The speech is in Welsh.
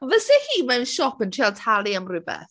Fysa hi mewn siop yn trio talu am rhywbeth...